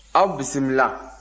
aw bisimila